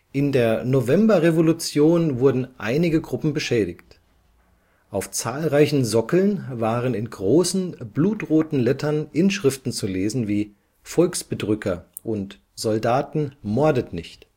In der Novemberrevolution wurden einige Gruppen beschädigt. Auf zahlreichen Sockeln waren in großen blutroten Lettern Inschriften zu lesen wie „ Volksbedrücker “und „ Soldaten, mordet nicht